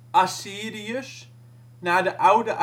Assyriërs, naar de oude